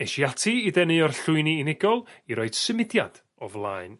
esh i ati i dynu o'r llwyni unigol i roid symudiad o flaen